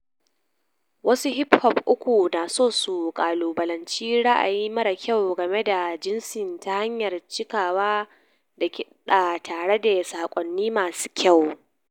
Wasu hip hop uku na so su kalubalanci ra'ayi mara kyau game da jinsin ta hanyar cikawa da kiɗa tare da sakonni masu kyau.